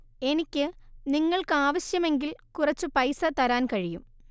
എനിക്ക് നിങ്ങള്‍ക്ക് ആവശ്യമെങ്കില്‍ കുറച്ചു പൈസ തരാന്‍ കഴിയും